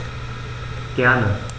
Gerne.